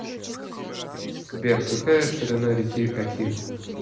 сбер какая ширина реки оки